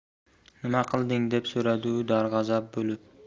nima qilding deb so'radi u darg'azab bo'lib